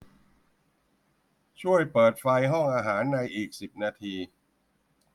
ช่วยเปิดไฟห้องอาหารในอีกสิบนาที